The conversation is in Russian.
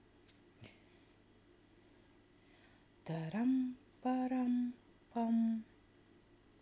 тарам парам пам